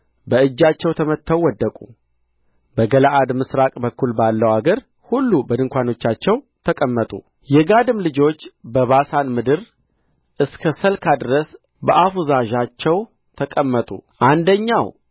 በእጃቸው ተመትተው ወደቁ በገለዓድ ምሥራቅ በኩል ባለው አገር ሁሉ በድንኳኖቻቸው ተቀመጡ የጋድም ልጆች በባሳን ምድር እስከ ሰልካ ድረስ በአፋዛዣቸው ተቀመጡ አንደኛው ኢ